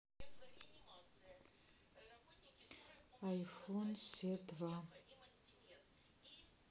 айфон се два